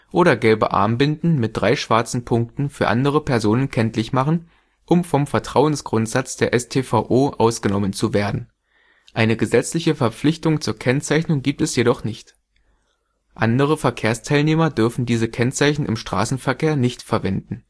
oder gelbe Armbinden mit drei schwarzen Punkten für andere Personen kenntlich machen, um vom Vertrauensgrundsatz der StVO ausgenommen zu werden; eine gesetzliche Verpflichtung zur Kennzeichnung gibt es jedoch nicht. Andere Verkehrsteilnehmer dürfen diese Kennzeichen im Straßenverkehr nicht verwenden